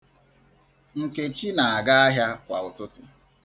Nkechi na-aga ahịa kwa ụtụtụ.